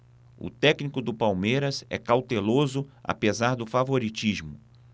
o técnico do palmeiras é cauteloso apesar do favoritismo